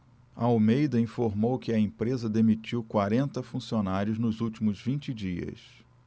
almeida informou que a empresa demitiu quarenta funcionários nos últimos vinte dias